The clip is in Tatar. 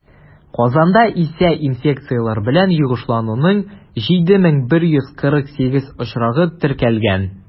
Казанда исә инфекцияләр белән йогышлануның 7148 очрагы теркәлгән.